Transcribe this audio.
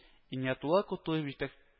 Иниятулла Кутуев җитәк